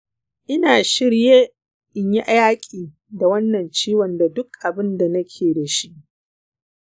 ina shirye in yi yaƙi da wannan ciwon da duk abin da nake da shi.